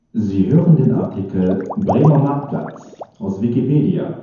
Sie hören den Artikel Bremer Marktplatz, aus Wikipedia